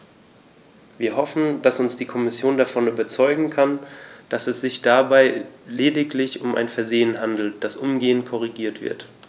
Wir hoffen, dass uns die Kommission davon überzeugen kann, dass es sich dabei lediglich um ein Versehen handelt, das umgehend korrigiert wird.